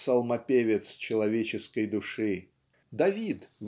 псалмопевец человеческой души Давид